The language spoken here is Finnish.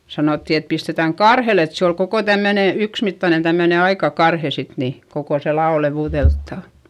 sanottiin että pistetään karhelle että se oli koko tämmöinen yksimittainen tämmöinen aika karhe sitten niin koko se lavo leveydeltään